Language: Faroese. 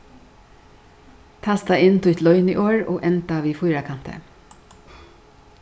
tasta inn títt loyniorð og enda við fýrakanti